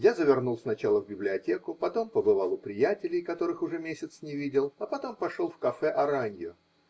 Я завернул сначала в библиотеку, потом побывал у приятелей, которых уже месяц не видел, а потом пошел в кафе Араньо.